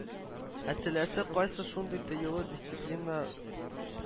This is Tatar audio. Ә теләсә кайсы шундый тыелу дисциплина